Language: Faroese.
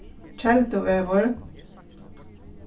kelduvegur